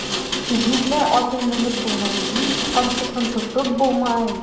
Беренче табышмак: "Җизнәй атын менеп булмай, җиз камчысын тотып булмай!"